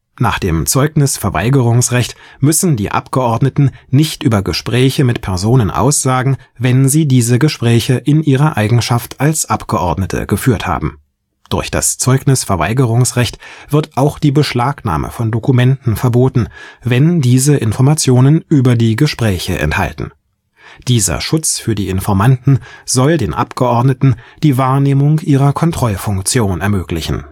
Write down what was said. Nach dem Zeugnisverweigerungsrecht müssen die Abgeordneten nicht über Gespräche mit Personen aussagen, wenn sie diese Gespräche in ihrer Eigenschaft als Abgeordnete geführt haben. Durch das Zeugnisverweigerungsrecht wird auch die Beschlagnahme von Dokumenten verboten, wenn diese Informationen über die Gespräche enthalten. Dieser Schutz für die Informanten soll den Abgeordneten die Wahrnehmung ihrer Kontrollfunktion ermöglichen